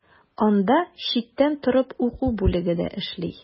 Анда читтән торып уку бүлеге дә эшли.